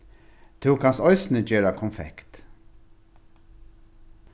tú kanst eisini gera konfekt